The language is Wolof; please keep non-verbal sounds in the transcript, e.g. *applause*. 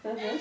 *hesitation* *hesitation*